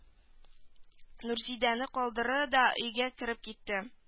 Нурзидәне калдырды да өйгә кереп китте